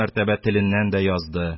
Мәртәбә теленнән дә язды